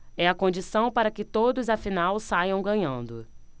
é a condição para que todos afinal saiam ganhando